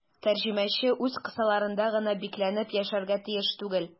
Тәрҗемәче үз кысаларында гына бикләнеп яшәргә тиеш түгел.